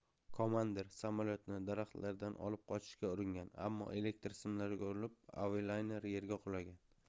komandir samolyotni daraxtlardan olib qochishga uringan ammo elektr simlariga urilib avialayner yerga qulagan